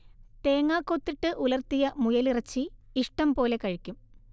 തേങ്ങക്കൊത്തിട്ട് ഉലർത്തിയ മുയലിറച്ചി ഇഷ്ടം പോലെ കഴിക്കും